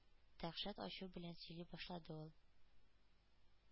Дәһшәт, ачу белән сөйли башлады ул: